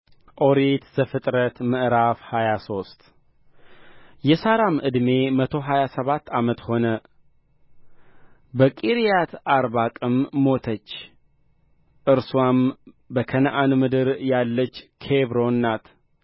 ኦሪት ዘፍጥረት ምዕራፍ ሃያ ሶስት የሣራም ዕድሜ መቶ ሀያ ሰባት ዓመት ሆነ በቂርያትአርባቅም ሞተች እርስዋም በከነዓን ምድር ያለች ኬብሮን ናት